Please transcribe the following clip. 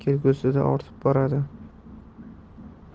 soni kelgusida ortib boradi